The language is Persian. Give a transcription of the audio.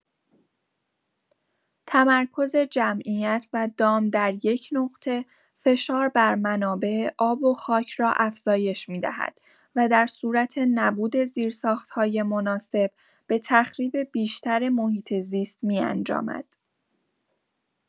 تمرکز جمعیت و دام در یک نقطه، فشار بر منابع آب و خاک را افزایش می‌دهد و در صورت نبود زیرساخت‌های مناسب، به تخریب بیشتر محیط‌زیست می‌انجامد.